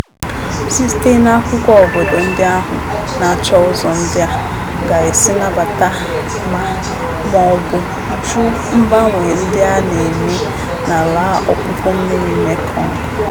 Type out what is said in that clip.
Site n'akụkọ, obodo ndị ahụ na-achọ ụzọ ndị a ga-esi nabata ma/ma ọ bụ jụ mgbanwe ndị a na-eme n'ala ọpụpụ mmiri Mekong.